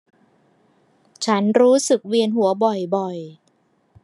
ฉันรู้สึกเวียนหัวบ่อยบ่อย